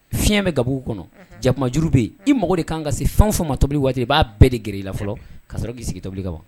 Fiɲɛyɛn bɛ gabugu kɔnɔ jakuma juruuru bɛ yen i mako de kan ka se fɛn fɔ ma tobili waati i b'a bɛɛ de g i la fɔlɔ k'a sɔrɔ k'i sigi tobili ka wa